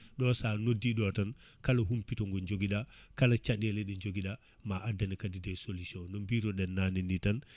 ɗo sa noddiɗo tan kala humpito mo joguiɗa kala caɗele ɗe jogui ɗa ma addane kadi des solution no binoɗen nane ni tan